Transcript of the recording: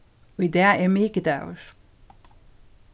í dag er mikudagur